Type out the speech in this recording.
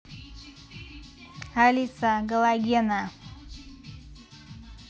алиса галогена